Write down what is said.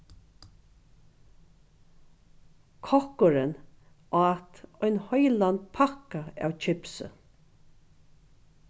kokkurin át ein heilan pakka av kipsi